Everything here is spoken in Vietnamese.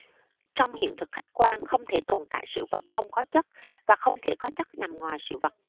trong hiện thực khách quan không thể tồn tại sự vật không có chất và không thể có chất nằm ngoài sự vật